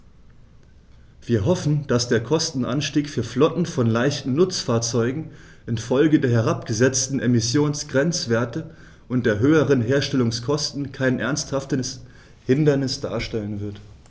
Wir hoffen, dass der Kostenanstieg für Flotten von leichten Nutzfahrzeugen in Folge der herabgesetzten Emissionsgrenzwerte und der höheren Herstellungskosten kein ernsthaftes Hindernis darstellen wird.